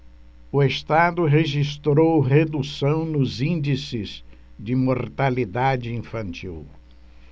o estado registrou redução nos índices de mortalidade infantil